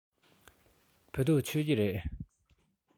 བོད ཐུག མཆོད ཀྱི རེད